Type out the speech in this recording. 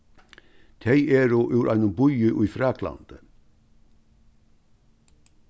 tey eru úr einum býi í fraklandi